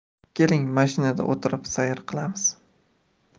keling mashinada o'tirib sayr qilamiz